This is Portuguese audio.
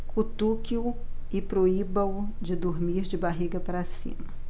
cutuque-o e proíba-o de dormir de barriga para cima